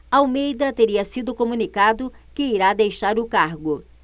almeida teria sido comunicado que irá deixar o cargo